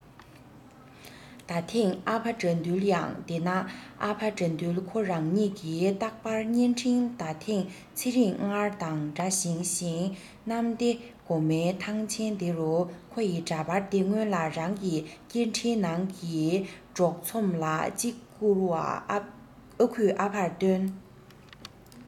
ད ཐེངས ཨ ཕ དགྲ འདུལ ཡང དེ ན ཨ ཕ དགྲ འདུལ ཁོ རང ཉིད ཀྱི རྟག པར བརྙན འཕྲིན ད ཐེངས ཚེ རིང སྔར དང འདྲ ཞིང ཞིང གནམ བདེ སྒོ མོའི ཐང ཆེན དེ རུ ཁོ ཡི འདྲ པར དེ སྔོན ལ རང གི སྐད འཕྲིན ནང གི གྲོགས ཚོམ ལ གཅིག བསྐུར བ ཨ ཁུས ཨ ཕར སྟོན